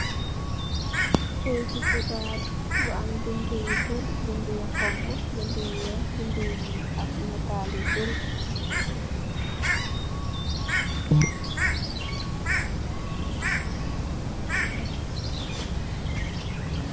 Keiti khibarr bu am bindue yu bari, bindue yu honhu, bindue yu wekh, bindue yu njull, ak naatal yu bari.